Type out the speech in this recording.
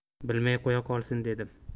bilmay qo'ya qolsin dedim